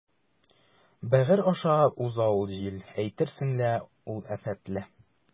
Бәгырь аша уза ул җил, әйтерсең лә ул афәтле.